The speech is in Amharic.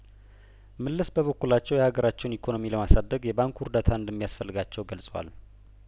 ም ለስ በበኩላቸው የሀገራቸውን ኢኮኖሚ ለማሳደግ የባንኩ እርዳታ እንደሚያስፈልጋቸው ገልጸዋል